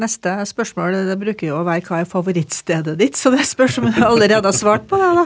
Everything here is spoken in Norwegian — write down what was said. neste spørsmål det bruker jo å være hva er favorittstedet ditt så det spørs om du allerede har svart på det da.